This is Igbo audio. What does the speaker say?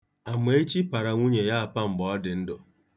Amaechi para nwunye apa mgbe ọ dị ndụ.